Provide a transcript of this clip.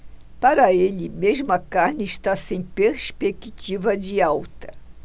para ele mesmo a carne está sem perspectiva de alta